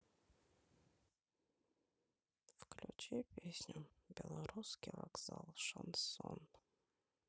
включи песню белорусский вокзал шансон